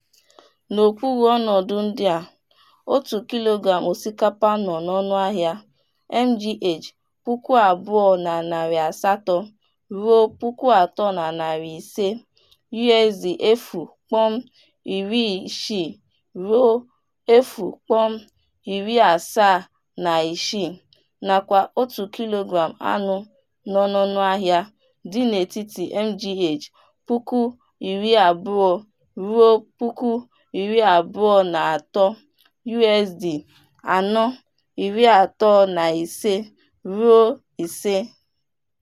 N'okpuru ọnọdụ ndị a, 1 kg osikapa nọ n'ọnụahịa MGA 2,800 ruo 3,500 (USD 0.60 ruo 0.76) nakwa 1kg anụ nọ n'ọnụahịa dị n'etiti MGA 20,000 ruo 23,000 (USD 4.35 ruo 5).